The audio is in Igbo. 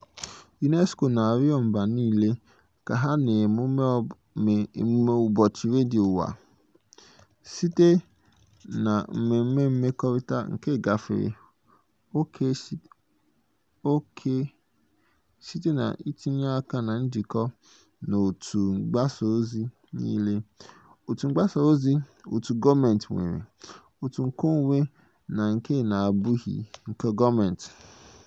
UNESCO na-arịọ mba niile ka ha mee emume Ụbọchị Redio Ụwa site na mmemme mmekorita nke gafere ókè site na itinye aka na njikọ na òtù mgbasa ozi niile, òtù mgbasa ozi, òtù gọọmentị nwere, òtù nkeonwe na nke na-abụghị nke gọọmentị.